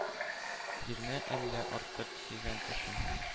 Җирне әллә артык сөйгән өчен,